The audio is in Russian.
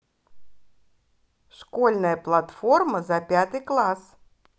школьная платформа за пятый класс